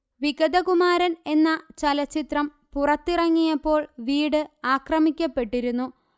വിഗതകുമാരൻ എന്ന ചലച്ചിത്രം പുറത്തിറങ്ങിയപ്പോൾ വീട് ആക്രമിക്കപ്പെട്ടിരുന്നു